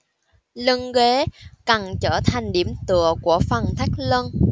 lưng ghế cần trở thành điểm tựa của phần thắt lưng